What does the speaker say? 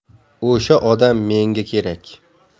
o'sha odam menga kerak